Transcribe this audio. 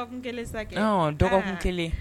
Dɔgɔkun 1 sa kɛ. Dɔgɔkun 1.